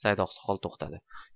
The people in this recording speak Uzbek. saidoqsoqol to'xtadi